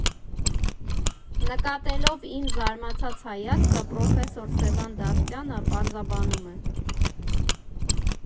Նկատելով իմ զարմացած հայացքը, պրոֆեսոր Սևան Դավթյանը պարզաբանում է.